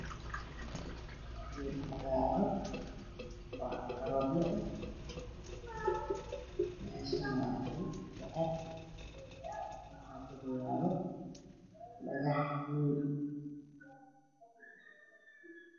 Geedo cagaaran oo caligaroobyo ah meeshana waa ciid bacaad , waxaa kaloo yaalo dhagax wayn